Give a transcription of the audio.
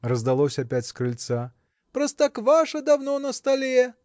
– раздалось опять с крыльца, – простокваша давно на столе.